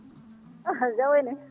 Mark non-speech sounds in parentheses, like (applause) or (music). (laughs) jaam woni